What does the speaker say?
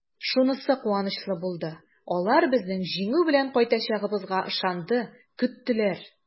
Шунысы куанычлы булды: алар безнең җиңү белән кайтачагыбызга ышанды, көттеләр!